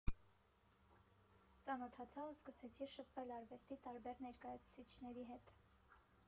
Ծանոթացա ու սկսեցի շփվել արվեստի տարբեր ներկայացուցիչների հետ։